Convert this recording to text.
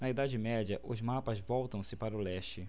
na idade média os mapas voltam-se para o leste